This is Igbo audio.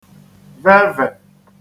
vevè